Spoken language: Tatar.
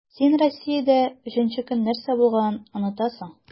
Син Россиядә өченче көн нәрсә булганын онытасың.